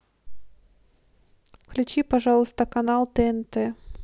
включи пожалуйста канал тнт